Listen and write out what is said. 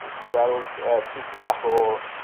nes i weld y tweet bach o